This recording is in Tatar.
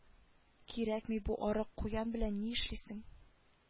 Кирәкми бу арык куян белән ни эшлисең